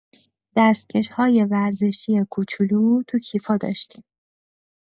دستکش‌های ورزشی کوچولو تو کیف‌ها داشتیم.